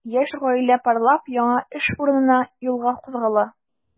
Яшь гаилә парлап яңа эш урынына юлга кузгала.